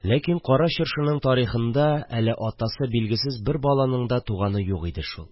Ләкин Кара Чыршының тарихында әле атасы билгесез бер баланың да туганы юк иде шул